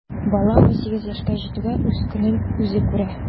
Бала унсигез яшькә җитүгә үз көнен үзе күрә.